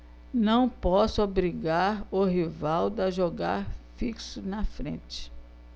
não posso obrigar o rivaldo a jogar fixo na frente